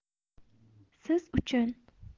siz uchun